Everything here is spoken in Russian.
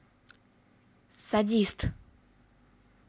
садист